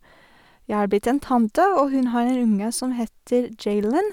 Jeg har blitt en tante, og hun har en unge som heter Jaylen.